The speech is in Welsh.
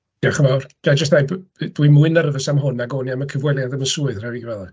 Diolch yn fawr. Ga i jyst ddweud dwi mwy nervous am hwn nag o'n i am y cyfweliad am y swydd, rhaid i fi gyfaddau.